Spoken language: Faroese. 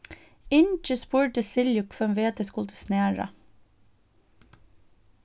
ingi spurdi silju hvønn veg tey skuldu snara